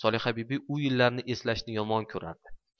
solihabibi u yillarni eslashni yomon ko'rardi